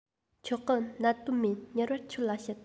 ཆོག གི གནད དོན མེད མྱུར བར ཁྱོད ལ བཤད